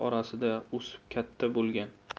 orasida o'sib katta bo'lgan